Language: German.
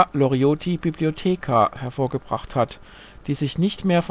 lorioti bibliotheca) hervorgebracht hat, die sich nicht mehr